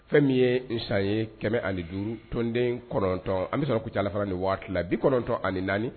Fɛn min yesan ye kɛmɛ ani duurutɔnonden kɔnɔntɔn an bɛ sɔrɔ k' tilara ni waala bi kɔnɔntɔn ani naani